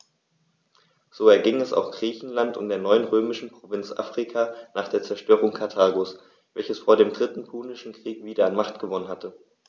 So erging es auch Griechenland und der neuen römischen Provinz Afrika nach der Zerstörung Karthagos, welches vor dem Dritten Punischen Krieg wieder an Macht gewonnen hatte.